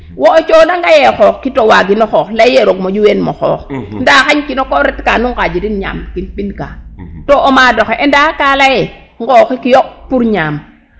Wo' o cooxange yee xooxki to waagino xoox lay ee roog moƴu ween mo xoox ndaa xaƴkino ke retka nu nqaajrin ñaamkin pind ka to o maad oxe ENDA ka lay ee nqooxik yo pour ñaam.